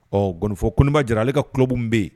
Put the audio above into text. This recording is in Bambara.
Ɔ nkfɔ kobaa jira ale ka tulobo bɛ yen